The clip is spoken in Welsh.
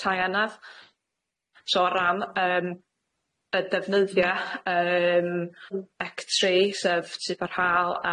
tai enadd so o ran yym y defnyddia' yym ec tri sef tipyn rhal